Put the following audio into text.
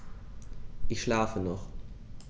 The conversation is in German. Ich schlafe noch.